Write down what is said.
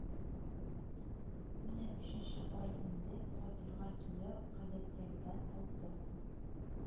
Менә өченче ай инде фатирга түләү гадәттәгедән алты